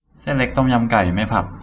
เส้นเล็กต้มยำไก่ไม่ผัก